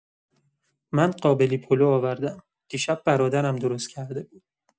من قابلی پلو آوردم، دیشب برادرم درست کرده بود.